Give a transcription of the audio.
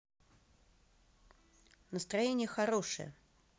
настроение хорошее